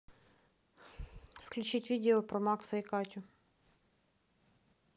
включить видео про макса и катю